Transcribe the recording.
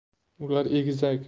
ular egizak